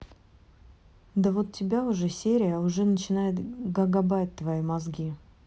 да вот тебя уже серия уже начинает гагабайт твои мозги